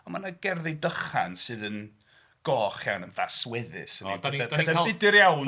Ond mae 'na gerddi dychan sydd yn goch iawn yn fasweddus ... Pethau budr iawn, ynde.